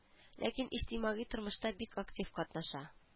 Ләкин иҗтимагый тормышта бик актив катнаша